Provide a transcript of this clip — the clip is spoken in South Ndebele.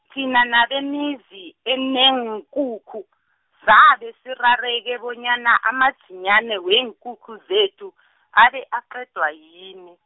thina nabemizi eneenkukhu, sabe sirareka bonyana amadzinyani weenkukhu zethu, abe aqedwa yini.